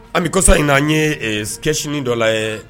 An bɛ kɔsa in an ye siniinin dɔ la ye